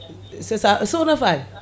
c' est ça sokhna Faty